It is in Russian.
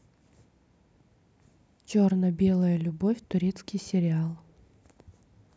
черно белая любовь турецкий сериал